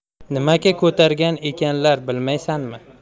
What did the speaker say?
nimaga ko'targan ekanlar bilmaysanmi